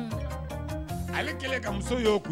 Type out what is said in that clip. Kɛlɛ ka muso ye